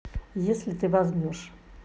если ты возьмешь